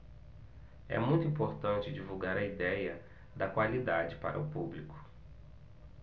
é muito importante divulgar a idéia da qualidade para o público